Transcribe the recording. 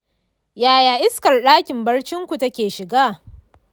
yaya iskar ɗakin barcinku take shiga?